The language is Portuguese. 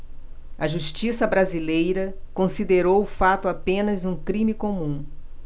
a justiça brasileira considerou o fato apenas um crime comum